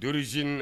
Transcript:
D'origine